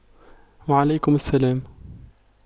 وعليكم السلام